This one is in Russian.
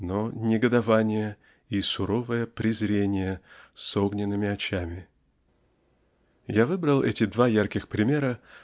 но Негодование и суровое Презрение с огненными очами". Я выбрал эти два ярких примера